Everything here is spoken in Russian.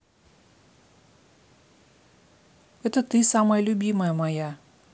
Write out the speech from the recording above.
это ты самая любимая моя